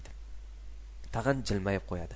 tag'in jilmayib qo'yadi